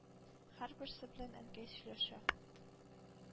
Һәрберсе белән Әнкәй сөйләшә: